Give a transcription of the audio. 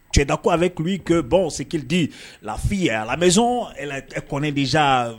Tu es d'accord avec lui ce qu'il dit. La fille est à la maison elle connaît déjà